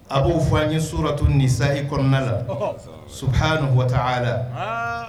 A b'o fɔ an ye sorato nisa i kɔnɔna la suya nta a la